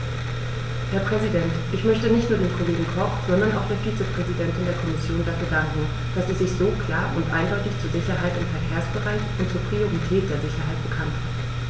Herr Präsident, ich möchte nicht nur dem Kollegen Koch, sondern auch der Vizepräsidentin der Kommission dafür danken, dass sie sich so klar und eindeutig zur Sicherheit im Verkehrsbereich und zur Priorität der Sicherheit bekannt hat.